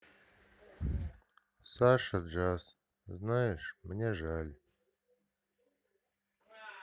саша джаз знаешь мне жаль